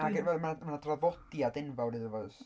Ac efo'r... Ma' ma' 'na draddodiad enfawr iddo fo does?